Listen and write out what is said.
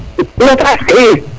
no i